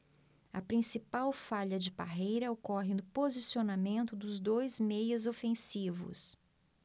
a principal falha de parreira ocorre no posicionamento dos dois meias ofensivos